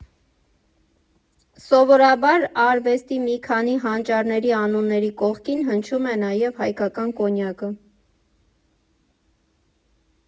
Սովորաբար արվեստի մի քանի հանճարների անունների կողքին հնչում է նաև հայկական կոնյակը.